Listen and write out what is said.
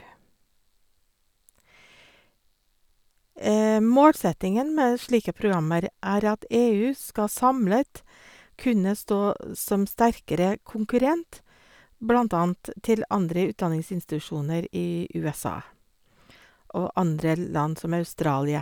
Målsettingen med slike programmer er at EU skal samlet kunne stå som sterkere konkurrent blant annet til andre utdanningsinstitusjoner i USA og andre land som Australia.